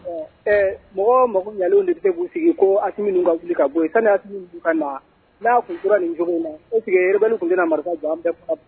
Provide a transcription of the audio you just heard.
Ɛ mɔgɔ makoɲɛlenw de bɛ se k'u sigi ko Asimi ninnu ka wili ka bɔ yen, yanni Asimi ninnu tun ka na, n'a tun tora nin cogo in na est-ce que rebelle tun tɛna marifa jɔ, an bɛ